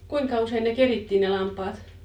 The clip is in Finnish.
kuinka usein ne kerittiin ne lampaat